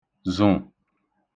żụ̀